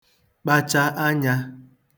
kpacha anyā